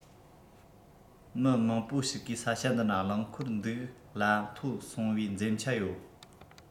མི མང པོ ཞིག གིས ས ཆ འདི ན རླངས འཁོར འདུག གླ མཐོ སོང བའི འཛེམ ཆ ཡོད